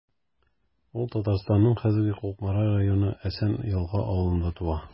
Ул Татарстанның хәзерге Кукмара районы Әсән Елга авылында туа.